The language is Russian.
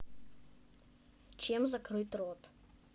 чем закрыть рот